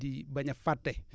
di bañ a fàtte